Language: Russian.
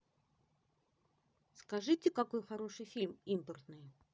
скажите какой хороший фильм импортный